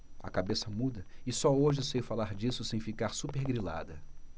a cabeça muda e só hoje sei falar disso sem ficar supergrilada